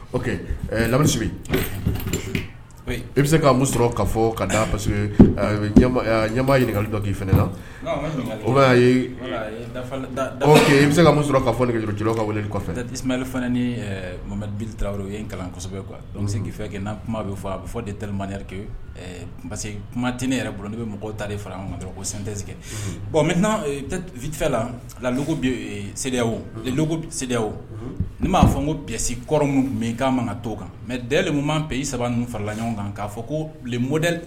O lasu i bɛ se ka muso sɔrɔ ka fɔ ka parce ɲɛba ɲininkakali dɔ k'i fana la i bɛ se ka sɔrɔlo ka weele kɔfɛ tɛ teli ni mamadubili tarawele ye kalansɛbɛ kuwa bɛ se k'fɛ kɛ na kuma bɛ fɔ fɔ de tɛmarike parce que kuma tɛ ne yɛrɛ bolo ne bɛ mɔgɔ ta fara ɲɔgɔn ko san tɛse bɔn vfɛ la la se se ni m'a fɔ ko psi kɔrɔ min k kana man ka to kan mɛ deli' fɛ i saba ninnu farala ɲɔgɔn kan k'a fɔ komod